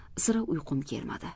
sira uyqum kelmadi